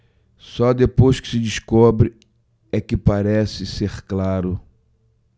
só depois que se descobre é que parece ser claro